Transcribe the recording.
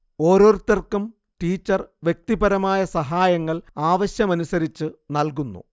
ഓരോരുത്തർക്കും ടീച്ചർ വ്യക്തിപരമായ സഹായങ്ങൾ ആവശ്യമനുസരിച്ച് നൽകുന്നു